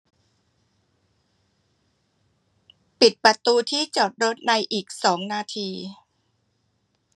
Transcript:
ปิดประตูที่จอดรถในอีกสองนาที